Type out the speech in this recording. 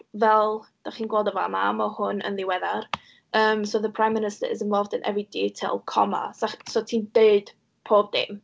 Fel dach chi'n gweld yn fa'ma, ma' hwn yn ddiweddar. Yym, so the Prime Minister is involved in every detail, coma. sa- so ti'n deud pob dim.